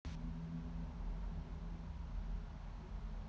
ты любишь хуй сосать